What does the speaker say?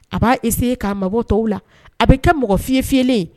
A b'a ese k'a mabɔ tɔw la a bɛ kɛ mɔgɔ fi filen ye